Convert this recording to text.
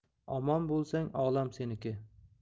omon bo'lsang olam seniki